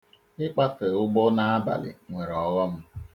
Ịkpafe ụgbọ n'abalị nwere ọghọm.